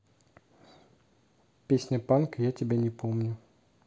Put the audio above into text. песня панк я тебя не помню